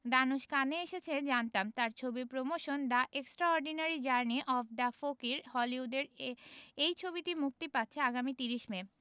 ধানুশ কানে এসেছে জানতাম তার ছবির প্রমোশনে the extraordinary journey of the Fakir হলিউডের এ এই ছবিটি মুক্তি পাচ্ছে আগামী ৩০ মে